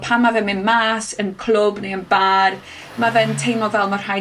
pan me' fe'n mynd mas, yn clwb neu yn bar, ma' fe'n teimlo fel ma' rhaid